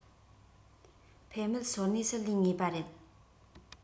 འཕེལ མེད སོར གནས སུ ལུས ངེས པ རེད